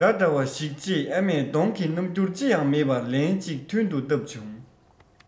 ར འདྲ བ ཞིག ཅེས ཨ མས གདོང གི རྣམ འགྱུར ཅི ཡང མེད པར ལན གཅིག མཐུན དུ བཏབ བྱུང